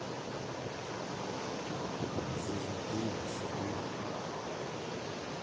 жизнь пи весь фильм